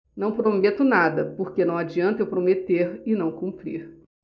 não prometo nada porque não adianta eu prometer e não cumprir